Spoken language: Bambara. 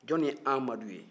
jɔn ye amadu ye